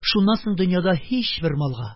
Шуннан соң дөньяда һичбер малга,